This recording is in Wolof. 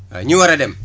waa ñi war a dem